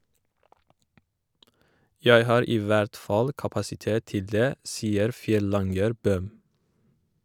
Jeg har i hvert fall kapasitet til det, sier Fjellanger Bøhm.